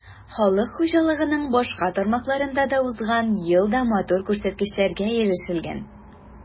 Халык хуҗалыгының башка тармакларында да узган елда матур күрсәткечләргә ирешелгән.